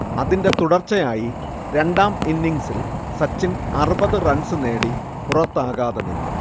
അതിന്റെ തുടർച്ചയായി രണ്ടാം ഇന്നിങ്സിൽ സച്ചിൻ അറുപത് റൺസ് നേടി പുറത്താകാതെനിന്നു